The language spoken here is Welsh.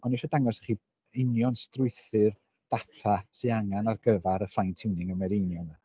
O'n i isio dangos i chi union strwythur data sy angen ar gyfer y fine-tuning y mireinio 'ma.